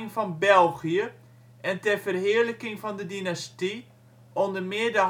van België en ter verheerlijking van de dynastie (onder meer de